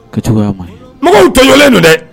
Mɔgɔw tɛlen don dɛ